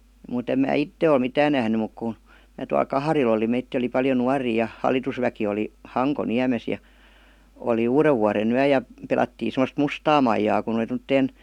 mutta en minä itse ole mitään nähnyt mutta kun minä tuolla Kaharilla olin meitä oli paljon nuoria ja hallitusväki oli Hankoniemessä ja oli uudenvuodenyö ja pelattiin semmoista mustaa maijaa kun oli tuommoiseen